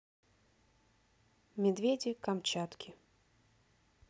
медведи камчатки